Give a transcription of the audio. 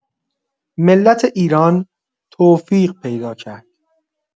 ملت ایران توفیق پیدا کرد.